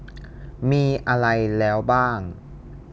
มีอะไรแล้วบ้าง